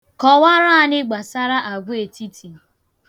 Kọwara anyị gbasara agwaetiti.